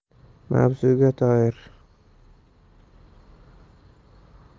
mavzuga doir